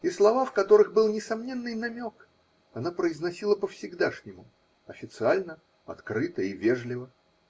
и слова, в которых был несомненный намек, она произнесла по-всегдашнему, официально, открыто и вежливо.